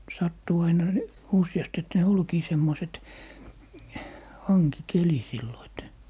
sattuu aina niin useasti että ne olikin semmoiset hankikeli silloin että